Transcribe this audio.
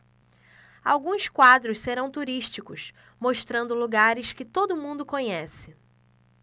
alguns quadros serão turísticos mostrando lugares que todo mundo conhece